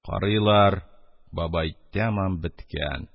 Карыйлар — бабай тәмам беткән.